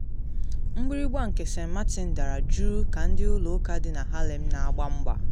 Mgbịrịmgba nke St. Martin Dara Jụụ ka Ndị Ụlọ Ụka dị na Harlem Na Agba Mba